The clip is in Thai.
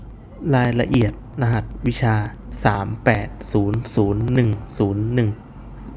รายละเอียดรหัสวิชาสามแปดศูนย์ศูนย์หนึ่งศูนย์หนึ่ง